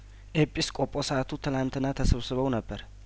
ኤጲስ ቆጶሳቱ ትናንትና ተሰብስበው ነበር